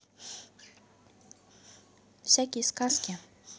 всякие сказки